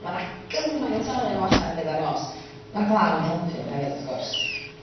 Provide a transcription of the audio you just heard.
...ma' 'na gymaint ohonyn n'w allan gyda'r nos ma'r glaw yn helpu n'w hefyd w'th gwrs.